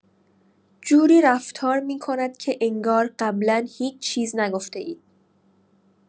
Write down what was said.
جوری رفتار می‌کند که انگار قبلا هیچ‌چیز نگفته‌اید.